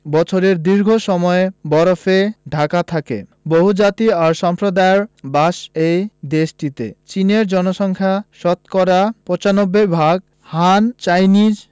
বছরের দীর্ঘ সময় বরফে ঢাকা থাকে বহুজাতি ও সম্প্রদায়ের বাস এ দেশটিতে চীনের জনসংখ্যা শতকরা ৯৫ ভাগ হান চাইনিজ